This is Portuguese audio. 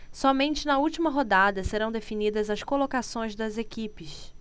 somente na última rodada serão definidas as colocações das equipes